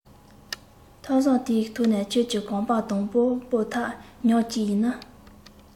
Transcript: ཐག ཟམ དེའི ཐོག ནས ཁྱོད ཀྱི གོམ པ དང པོ སྤོ ཐབས ཉག གཅིག ནི